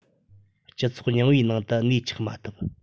སྤྱི ཚོགས རྙིང པའི ནང དུ གནས ཆགས མ ཐུབ